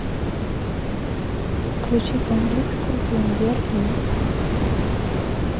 включить английскую премьер лигу